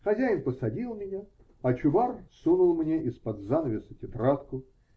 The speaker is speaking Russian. Хозяин посадил меня, а Чубар сунул мне из-под занавеса тетрадку.